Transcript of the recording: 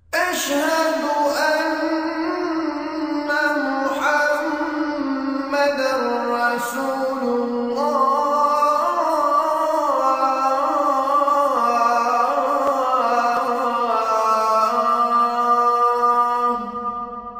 E sɛdu ɛ kun mɔgɔ kun bɛ denkuma sun